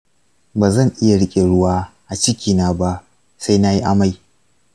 ba zan iya riƙe ruwa a cikina ba sai na yi amai.